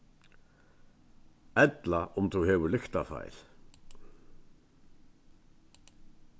ella um tú hevur lyktafeil